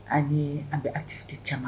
Ani an bɛ atiti caman